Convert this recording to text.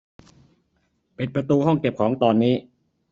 ปิดประตูห้องเก็บของตอนนี้